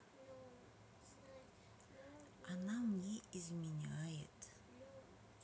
она мне изменяет